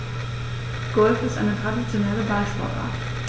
Golf ist eine traditionelle Ballsportart.